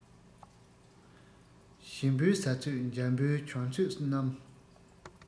ཞིམ པོའི ཟ ཚོད འཇམ པོའི གྱོན ཚོད རྣམས